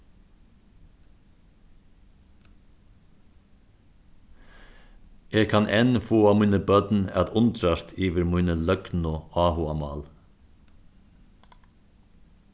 eg kann enn fáa míni børn at undrast yvir míni løgnu áhugamál